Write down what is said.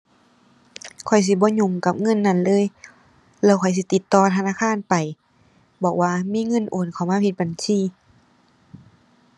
ข้อยสิบ่ยุ่งกับเงินนั้นเลย แล้วข้อยสิติดต่อธนาคารไป บอกว่ามีเงินโอนเข้ามาผิดบัญชี